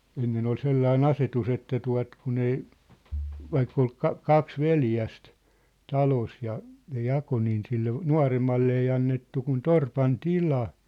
ennen oli sellainen asetus että tuota kun ei vaikka oli - kaksi veljestä talossa ja ne jakoi niin sille nuoremmalle ei annettu kuin torpan tila